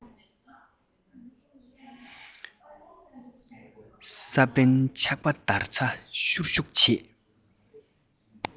སེ པན བྱུགས པ ལྡར ཚ ཤུར ཤུར བྱེད